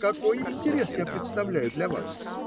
- Какой интерес я представляю для вас?